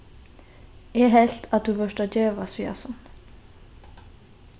eg helt at tú fórt at gevast við hasum